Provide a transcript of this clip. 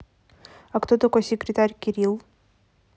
а кто такой секретарь кирилл